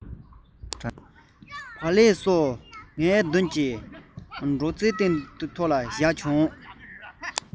བག ལེབ སོགས ངའི མདུན གྱི སྒྲོག ཙེའི ཐོག ལ བཞག བྱུང